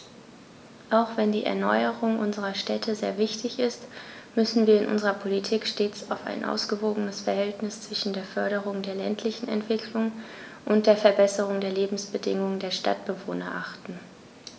Auch wenn die Erneuerung unserer Städte sehr wichtig ist, müssen wir in unserer Politik stets auf ein ausgewogenes Verhältnis zwischen der Förderung der ländlichen Entwicklung und der Verbesserung der Lebensbedingungen der Stadtbewohner achten.